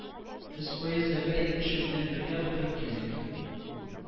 Без поездда бер ир кеше белән бергә утырып килдек